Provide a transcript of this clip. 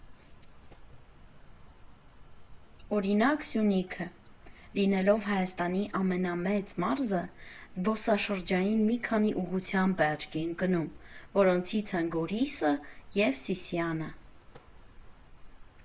Օրինակ՝ Սյունիքը, լինելով Հայաստանի ամենամեծ մարզը, զբոսաշրջային մի քանի ուղղությամբ է աչքի ընկնում, որոնցից են Գորիսը և Սիսիանը։